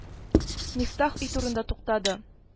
Мифтах өй турында туктады